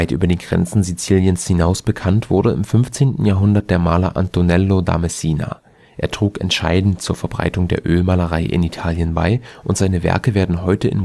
über die Grenzen Siziliens hinaus bekannt wurde im 15. Jahrhundert der Maler Antonello da Messina. Er trug entscheidend zur Verbreitung der Ölmalerei in Italien bei und seine Werke werden heute